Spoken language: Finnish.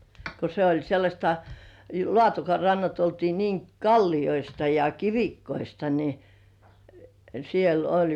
kun se oli sellaista Laatokan rannat oltiin niin kallioista ja kivikkoista niin siellä oli